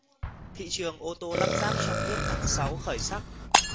thị trường ô tô lắp ráp trong nước tháng sáu khởi sắc